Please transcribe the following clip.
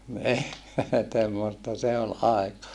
niin semmoista se oli aika